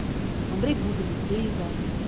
андрей губин лиза